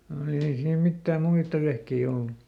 mm ei siinä mitään muita vehkeitä ollut